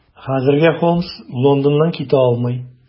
Хәзергә Холмс Лондоннан китә алмый.